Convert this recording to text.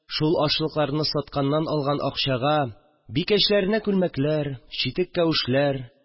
Шул ашлыкларны сатканнан алган акчага бикәчләренә күлмәкләр, читек-кәвешләр